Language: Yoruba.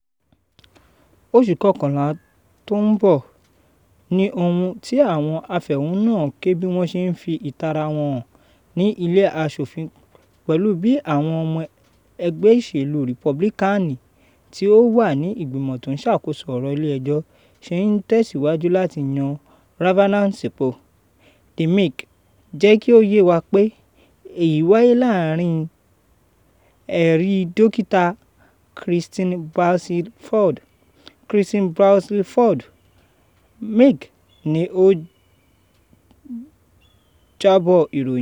Oṣù kọkànlá tó ń bọ̀! Ní ohun tí àwọn afẹ̀hónúhàn ń ké bí wọ́n ṣe fi ìtaara wọn hàn ní ilé Aṣòfin pẹ̀lú bí àwọn ọmọ ẹgbẹ́ ìṣèlú Rìpúbílíkáànì tí ó wà ní ìgbìmọ̀ tó ń ṣàkóso ọ̀rọ̀ ilé ẹjọ́ ṣe ń tẹ̀síwájú láti yan Kavanaugh sípò. The Mic jẹ́ kí ó yé wa pé èyí wáyé lẹ́yìn ẹ̀rí dọ́kítà Christine Blasey Ford. Christine Blasey Ford, Mic ní ó ń jọ́bọ̀ ìròyìn.